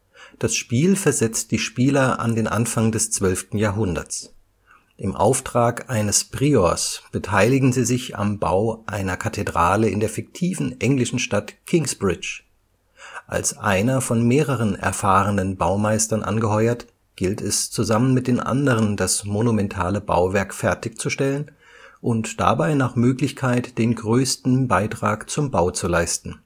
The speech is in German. Das Spiel versetzt die Spieler an den Anfang des 12. Jahrhunderts. Im Auftrag eines Priors beteiligen sie sich am Bau einer Kathedrale in der fiktiven englischen Stadt Kingsbridge. Als einer von mehreren erfahrenen Baumeistern angeheuert, gilt es, zusammen mit den anderen das monumentale Bauwerk fertigzustellen und dabei nach Möglichkeit den größten Beitrag zum Bau zu leisten